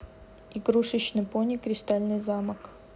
игрушечный пони кристальный замок